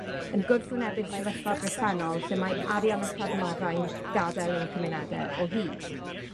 yn gwrthwynebu'r sefyllfa bresennol lle mae arian ac adnoddau'n gadael ein cymunede o hyd.